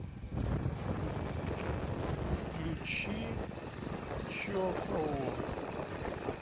включи че кого